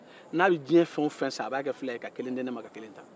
n'a ye diɲɛlatigɛ fɛn o fɛn san a b'a kɛ fila ye ka kelen di yan ka kelen ta